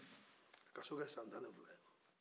ka kaso kɛ san tan ani fila ye